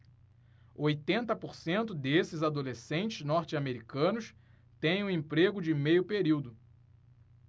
oitenta por cento desses adolescentes norte-americanos têm um emprego de meio período